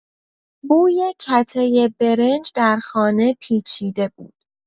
بوی کته برنج در خانه پیچیده بود.